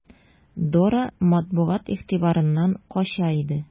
Дора матбугат игътибарыннан кача иде.